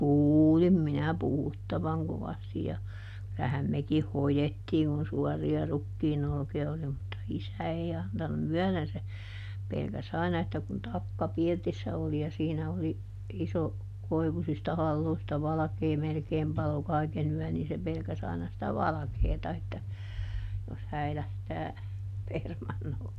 kuulin minä puhuttavan kovasti ja kyllähän mekin hoettiin kun suorilla rukiin olkia oli mutta isä ei antanut myöden se pelkäsi aina että kun takka pirtissä oli ja siinä oli iso koivuisista haloista valkea melkein paloi kaiken yön niin se pelkäsi aina sitä valkeata että jos häilähtää permannolle